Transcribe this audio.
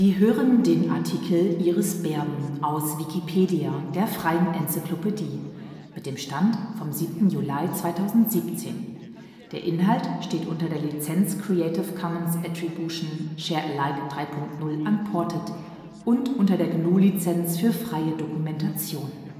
hören den Artikel Iris Berben, aus Wikipedia, der freien Enzyklopädie. Mit dem Stand vom Der Inhalt steht unter der Lizenz Creative Commons Attribution Share Alike 3 Punkt 0 Unported und unter der GNU Lizenz für freie Dokumentation